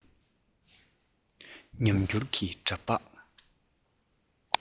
ཉམས འགྱུར གྱི འདྲ འབག